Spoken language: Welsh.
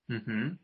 Hm-hm.